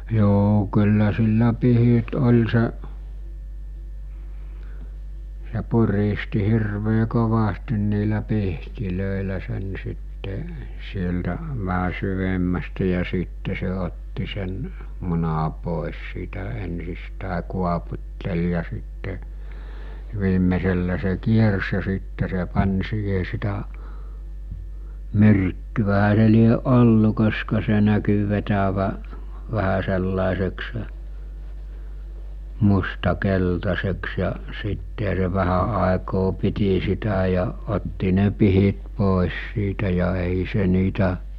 joo kyllä sillä pihdit oli se se puristi hirveän kovasti niillä pihdeillä sen sitten sieltä vähän syvemmästä ja sitten se otti sen munan pois siitä ensistään kuoputteli ja sitten viimeisellä se se kiersi ja sitten se pani siihen sitä myrkkyähän se lie ollut koska se näkyi vetävän vähän sellaiseksi mustan keltaiseksi ja sittenhän se vähän aikaa piti sitä ja otti ne pihdit pois siitä ja ei se niitä